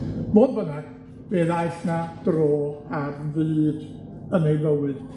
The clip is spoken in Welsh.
Modd bynnag, fe ddaeth 'na dro ar fyd yn ei fywyd